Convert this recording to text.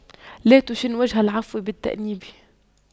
لا تشن وجه العفو بالتأنيب